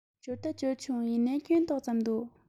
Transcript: འབྱོར ད འབྱོར བྱུང ཡིན ནའི སྐྱོན ཏོག ཙམ འདུག